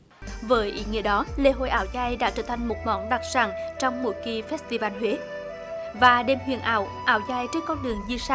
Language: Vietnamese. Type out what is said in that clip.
với ý nghĩa đó lễ hội áo dài đã trở thành một món đặc sản trong mỗi kỳ phét si van huế và đêm huyền ảo áo dài trên con đường di sản